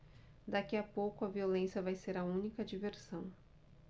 daqui a pouco a violência vai ser a única diversão